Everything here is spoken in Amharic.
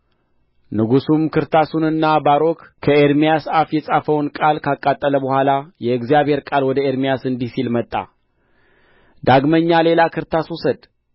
ንጉሡም ክርስታሱንና ባሮክ ከኤርምያስ አፍ የጻፈውን ቃል ካቃጠለ በኋላ የእግዚአብሔር ቃል ወደ ኤርምያስ እንዲህ ሲል መጣ ዳግመኛም ሌላ ክርታስ ውሰድ